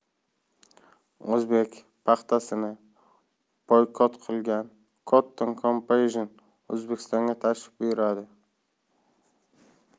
o'zbek paxtasini boykot qilgan cotton campaign o'zbekistonga tashrif buyuradi